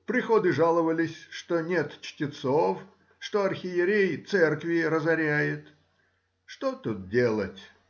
приходы жаловались, что нет чтецов, что архиерей церкви разоряет. Что тут делать!